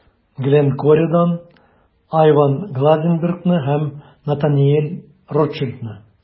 Glencore'дан Айван Глазенбергны һәм Натаниэль Ротшильдны.